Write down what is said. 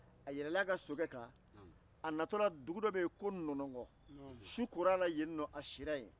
a yɛlɛnna a ka sokɛ kan a natɔla dugu dɔ bɛ yen ko nɔnɔnkɔ su kora a la yennɔ a sira yen